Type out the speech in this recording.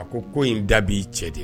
A ko ko in da b'i cɛ di